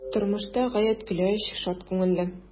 Тормышта гаять көләч, шат күңелле.